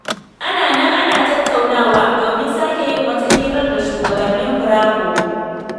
Ana nan ana tattaunawa domin sake yin wata hirar da shugabannin BRAVO!